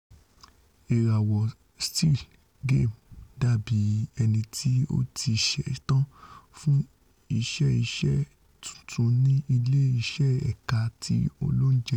Ìràwọ Still Game dábì ẹniti óti ṣetán fún iṣẹ́-ìṣe tuntun ní ilé iṣẹ́ ẹka ti olóúnjẹ.